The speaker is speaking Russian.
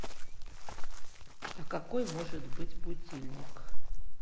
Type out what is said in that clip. а какой может быть будильник